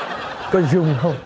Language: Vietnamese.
có run không